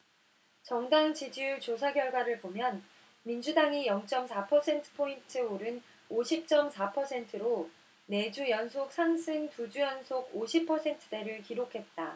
정당 지지율 조사결과를 보면 민주당이 영 쩜 사 퍼센트포인트 오른 오십 쩜 사 퍼센트로 네 주 연속 상승 두 주 연속 오십 퍼센트대를 기록했다